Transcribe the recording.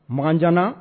Man jana